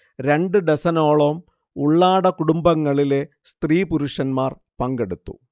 രണ്ടു ഡസനോളം ഉള്ളാട കുടുംബങ്ങളിലെ സ്ത്രീ-പുരുഷന്മാർ പങ്കെടുത്തു